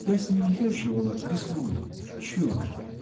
-- Я с ним езживала -- весною. Чудо!